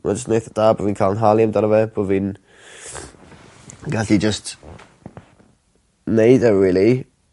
Ma' jyst yn eitha da bo' fi'n ca'l 'yn nhalu amdano fe bo fi'n gallu jyst neud e rili.